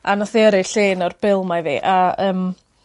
A nath 'i yrru llun o'r bil 'ma i fi a yym